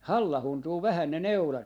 hallauntuu vähän ne neulat